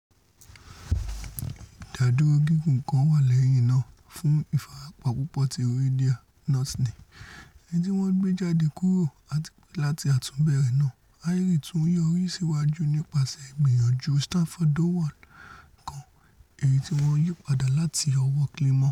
Ìdádúró gígùn kan wà lẹ́yìn náà fún ìfarapa púpọ̀ tí Ruaridh Knott ní, ẹnití wọ́n gbé jáde kúrò, àtipé láti àtúnbẹ̀rẹ̀ náà, Ayr tún yọrí síwájú nípaṣẹ̀ ìgbìyànjú Stafford McDowall kan, èyití́ wọ́n yípadà láti ọwọ́ Climo.